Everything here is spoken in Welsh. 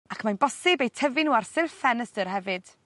ac mae'n bosib eu tyfu n'w ar sir ffenestr hefyd.